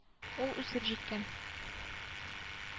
— бар андый күпер.